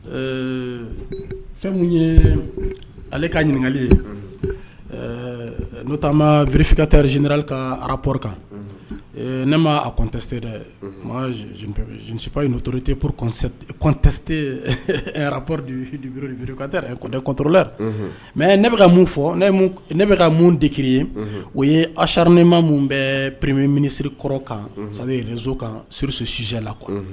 Eee fɛn ye ale ka ɲininkaka n'o maifinkatari zzerli ka arapo kan ne ma kɔntesep zsiporoptete poro mɛ ne bɛka ka mun fɔ ne bɛ ka mun dekiri ye o ye asar ne ma minnu bɛ perepe minisiriri kɔrɔ kan sabu rezo kan surususizla kuwa